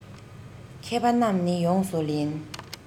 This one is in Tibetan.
མཁས པ རྣམས ནི ཡོངས སུ ལེན